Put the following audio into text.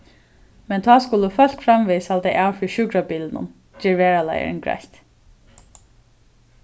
men tá skulu fólk framvegis halda av fyri sjúkrabilinum ger varaleiðarin greitt